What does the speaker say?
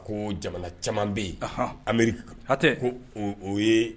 Ko jamana caman be yen Ameriki ko o ye